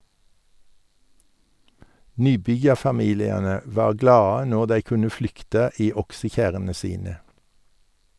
Nybyggjarfamiliane var glade når dei kunne flykta i oksekjerrene sine.